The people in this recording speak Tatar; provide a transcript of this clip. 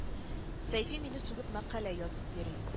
Сәйфи мине сүгеп мәкалә язып йөри